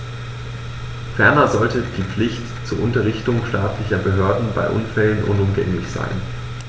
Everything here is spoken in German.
Ferner sollte die Pflicht zur Unterrichtung staatlicher Behörden bei Unfällen unumgänglich sein.